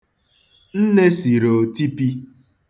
Nne siri otipi.